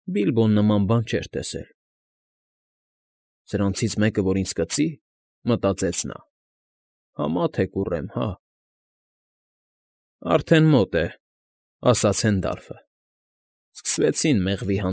Բիլոբն նման բան չէր տեսել։ «Սրանցից մեկը որ ինձ կծի,֊ մտածեց նա,֊ համա թե կուռեմ, հա՛»։ ֊ Արդեն մոտ է,֊ ասաց Հենդալֆը։֊ Սկսվեցին մեղվի։